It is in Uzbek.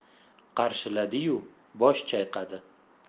qarshiladi yu bosh chayqadi